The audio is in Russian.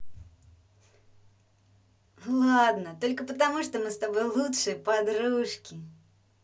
ладно только потому что мы с тобой лучшие подружки